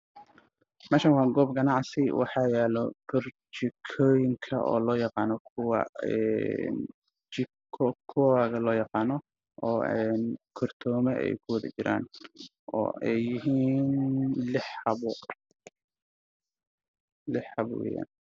Meeshaan waxaa ka muuqda yar yar oo isku fara badan oo isku eeg waxaana ku qoranjiko kaa